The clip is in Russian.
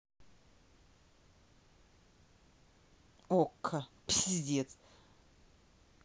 okko пиздец